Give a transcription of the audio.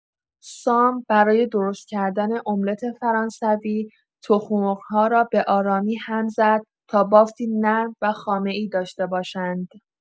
سام برای درست‌کردن املت فرانسوی، تخم‌مرغ‌ها را به‌آرامی هم زد تا بافتی نرم و خامه‌ای داشته باشند.